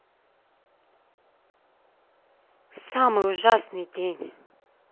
самый ужасный день